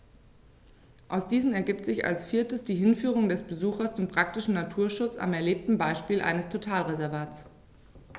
Aus diesen ergibt sich als viertes die Hinführung des Besuchers zum praktischen Naturschutz am erlebten Beispiel eines Totalreservats.